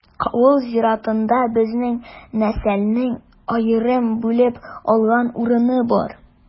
Авыл зиратында безнең нәселнең аерым бүлеп алган урыны бар.